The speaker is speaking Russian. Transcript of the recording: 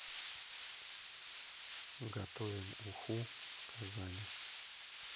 готовим уху в казане